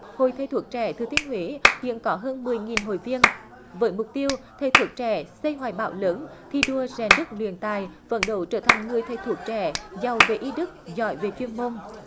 hội thầy thuốc trẻ thừa thiên huế hiện có hơn mười nghìn hội viên với mục tiêu thầy thuốc trẻ xây hoài bão lớn thi đua rèn đức luyện tài phấn đấu trở thành người thầy thuốc trẻ giàu về y đức giỏi về chuyên môn